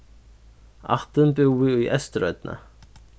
ættin búði í eysturoynni